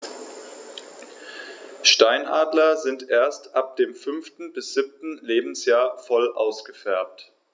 Steinadler sind erst ab dem 5. bis 7. Lebensjahr voll ausgefärbt.